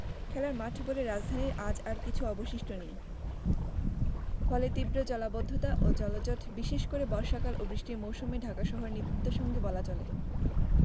খেলার মাঠ বলে রাজধানীতে আজ আর কিছু অবশিষ্ট নেই ফলে তীব্র জলাবদ্ধতা ও জলজট বিশেষ করে বর্ষাকাল ও বৃষ্টির মৌসুমে ঢা কা শহরের নিত্যসঙ্গী বলা চলে